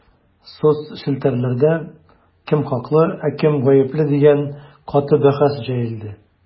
Соцчелтәрләрдә кем хаклы, ә кем гапле дигән каты бәхәс җәелде.